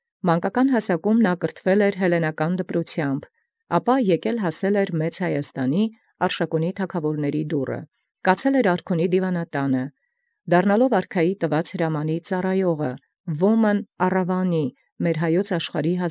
Ի մանկութեան տիսն վարժեալ հելլենական դպրութեամբն, եկեալ հասեալ ի դուռն Արշակունեաց թագաւորաց Հայոց Մեծաց, կացեալ յարքունական դիւանին, լինել սպասաւոր արքայատուր հրամանանացն առ հազարապետութեամբն աշխարհիս։